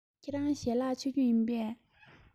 ཁྱེད རང ཞལ ལག མཆོད རྒྱུ བཟའ རྒྱུ ཡིན པས